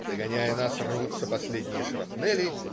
Догоняя нас, рвутся последние шрапнели.